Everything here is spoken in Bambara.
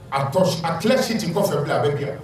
A tɔ si, a tilan si tɛ i kɔfɛ.